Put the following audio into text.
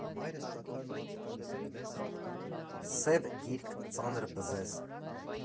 Սև գիրք, ծանր բզեզ։